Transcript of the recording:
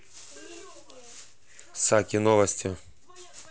саки новости